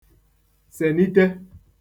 sènite